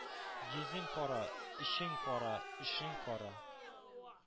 Йөзең кара, эчең кара, эшең кара,